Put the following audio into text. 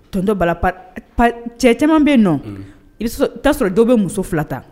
Tonto bala cɛ caman bɛ yen nɔ i bɛ' sɔrɔ dɔw bɛ muso fila ta